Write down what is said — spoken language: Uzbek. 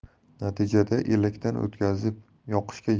natijada elakdan o'tkazib yoqishga